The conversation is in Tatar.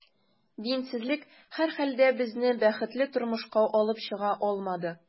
Динсезлек, һәрхәлдә, безне бәхетле тормышка алып чыга алмады.